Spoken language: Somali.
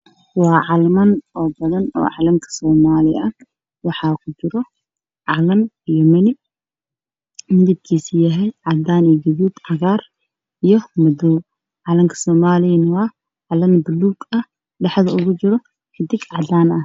Waa calaman oo badan oo calanka somaliya ah wax ku jira calaan yamani midibkisa yahy cadan iyo gadud cagaar iyo madow calanka somaliyane waa calan baluug ah dhaxada ugu jiro xidig cadaan ah